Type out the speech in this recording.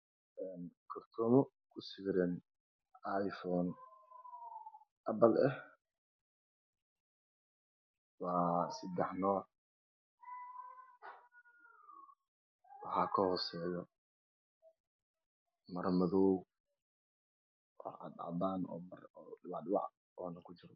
Kartoomo kusawiran ay foon abal ah waa seddex nuuc waxaa ka hooseeya maro madow oo cadcadaan ah.